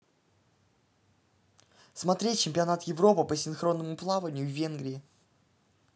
смотреть чемпионат европы по синхронному плаванию в венгрии